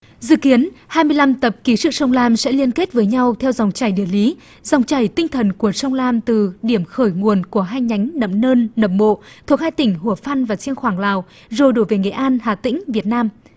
dự kiến hai mươi lăm tập ký sự sông lam sẽ liên kết với nhau theo dòng chảy địa lý dòng chảy tinh thần của sông lam từ điểm khởi nguồn của hai nhánh nậm nơn nậm mộ thuộc hai tỉnh hủa phăn và xiêng khoảng lào rồi đổ về nghệ an hà tĩnh việt nam